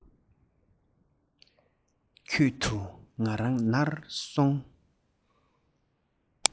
ཁྲོད དུ ང རང ནར སོན སོང